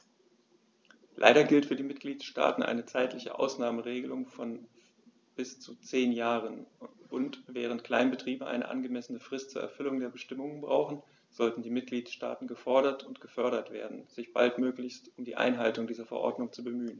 Leider gilt für die Mitgliedstaaten eine zeitliche Ausnahmeregelung von bis zu zehn Jahren, und, während Kleinbetriebe eine angemessene Frist zur Erfüllung der Bestimmungen brauchen, sollten die Mitgliedstaaten gefordert und gefördert werden, sich baldmöglichst um die Einhaltung dieser Verordnung zu bemühen.